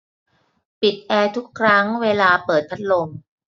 ปิดแอร์ทุกครั้งเวลาเปิดพัดลม